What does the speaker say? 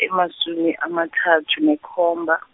emasumi amathathu nekhomba.